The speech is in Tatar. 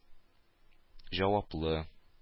Җаваплы